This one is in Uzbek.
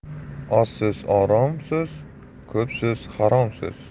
oz so'z orom so'z ko'p so'z harom so'z